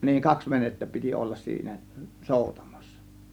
niin kaksi venettä piti olla siinä soutamassa